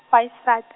wa xisat-.